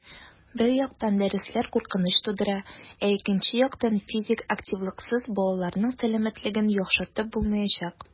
Бер яктан, дәресләр куркыныч тудыра, ә икенче яктан - физик активлыксыз балаларның сәламәтлеген яхшыртып булмаячак.